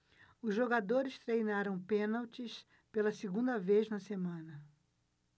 os jogadores treinaram pênaltis pela segunda vez na semana